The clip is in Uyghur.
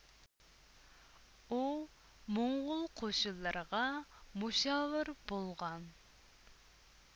ئۇ موڭغۇل قوشۇنلىرىغا مۇشاۋىر بولغان